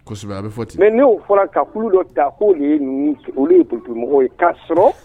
A bɛ fɔ ten mɛ no fɔra ka kulu dɔ da ko de ye ninnu olu ye ptumɔgɔw ye ka sɔrɔ